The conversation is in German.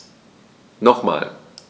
Nochmal.